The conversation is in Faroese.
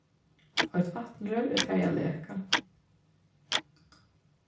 eitt vatnrør er farið at leka